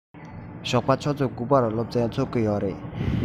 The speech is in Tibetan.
ཞོགས པ ཆུ ཚོད དགུ པར སློབ ཚན ཚུགས ཀྱི ཡོད རེད